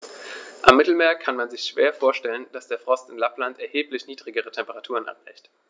Am Mittelmeer kann man sich schwer vorstellen, dass der Frost in Lappland erheblich niedrigere Temperaturen erreicht.